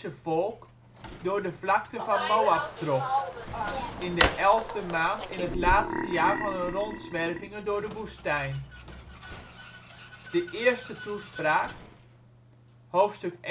volk door de vlakten van Moab trok, in de elfde maand in het laatste jaar van hun rondzwervingen door de woestijn. De eerste toespraak (hoofdstuk 1-4:40